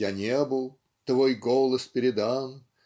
я небу Твой голос передам!